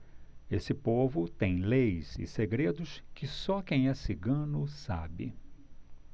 esse povo tem leis e segredos que só quem é cigano sabe